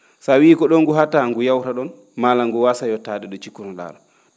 so a wiyii ko ngu haatta han ngu yawroya ?oon maa ngu waasa yottaade ?o cikkuno?aa ?oo